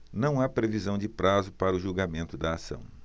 não há previsão de prazo para o julgamento da ação